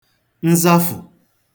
nzafụ̀